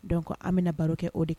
Donc an bɛna baro kɛ o de k